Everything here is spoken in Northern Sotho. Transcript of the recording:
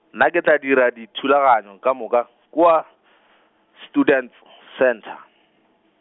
nna ke tla dira dithulaganyo ka moka, kua, Students , Centre.